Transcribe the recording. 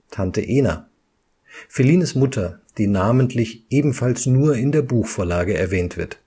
Tante Ena (Aunt Ena) Felines Mutter, die namentlich ebenfalls nur in der Buchvorlage erwähnt wird